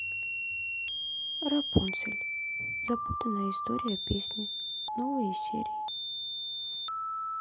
рапунцель запутанная история песни новые серии